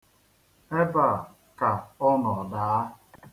Ebe a ka ọ nọ daa.